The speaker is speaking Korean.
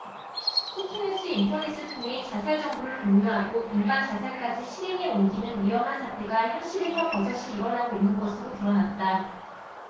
쿠키뉴스 인터넷을 통해 자살 정보를 공유하고 동반자살까지 실행에 옮기는 위험한 사태가 현실에서 버젓이 일어나고 있는 것으로 드러났다